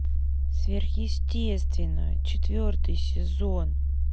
сверхъестественное четвертый сезон